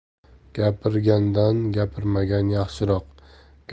gapirgandan gapirmagan yaxshiroq